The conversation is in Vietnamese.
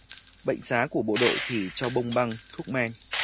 bệnh xá của bộ đội thì cho bông băng thuốc men